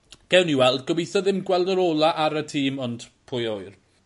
gewn ni weld gobeitho ddim gweld yr ola ar y tîm ond pwy a wyr?